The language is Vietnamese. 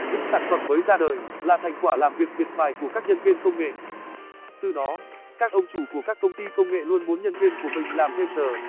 những sản phẩm mới ra đời là thành quả làm việc miệt mài của các nhân viên công nghệ từ đó các ông chủ của các công ty công nghệ luôn muốn nhân viên của mình làm thêm giờ